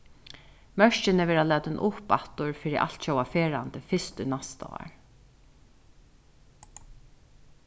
mørkini verða latin upp aftur fyri altjóða ferðandi fyrst í næsta ár